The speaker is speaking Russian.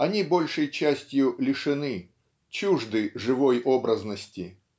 они большей частью лишены чужды живой образности